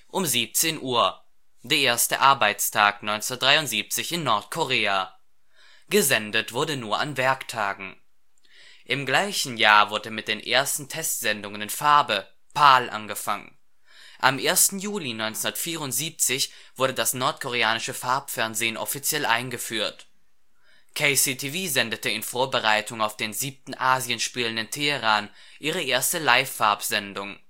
um 17:00 Uhr (der erste Arbeitstag 1973 in Nordkorea). Gesendet wurde nur an Werktagen. Im gleichen Jahr wurde mit den ersten Testsendungen in Farbe (PAL) angefangen. Am 1. Juli 1974 wurde das nordkoreanische Farbfernsehen offiziell eingeführt. KCTV sendete in Vorbereitung auf den 7. Asienspielen in Teheran ihre erste Live-Farbsendung